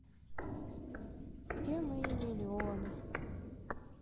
где мои миллионы